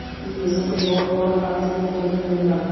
ildizimga bolta uraman deb urinib yurma